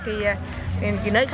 cấy ki nơi